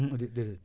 mënoo dée déedéet